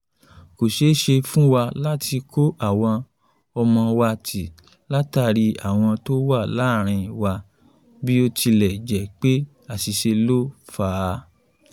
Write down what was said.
”Kò ṣéeṣe fún wa lái kó àwọn ọmọ wa tìí látàrí aáwọ̀ tó wà láàárin wa bí ó tilẹ̀ jẹ́ pé àṣìṣe ló fà á.